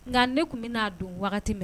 Nka ne tun bɛ n'a don wagati min